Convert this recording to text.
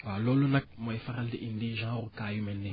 waa loolu nag mooy faral di indi genre cas yu mel nii